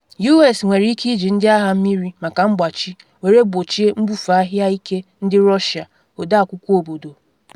US nwere ike iji Ndị Agha Mmiri maka “mgbachi” were gbochie nbufe ahịa Ike ndị Russia- Ọde Akwụkwọ Obodo